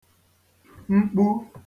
mkpu